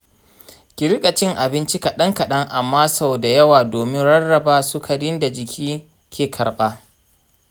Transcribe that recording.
ki riƙa cin abinci kaɗan kaɗan amma sau da yawa domin rarraba sukarin da jiki ke karɓa.